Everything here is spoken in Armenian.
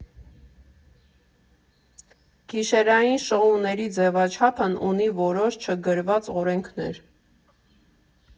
Գիշերային շոուների ձևաչափն ունի որոշ չգրված օրենքներ։